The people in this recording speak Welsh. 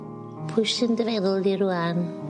Pwy sy yn dy feddwl 'di rŵan?